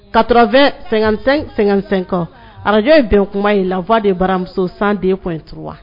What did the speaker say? Katura2- sɛgɛnsɛn kan arajo ye bɛn kuma in lafa de baramuso san de kuntu wa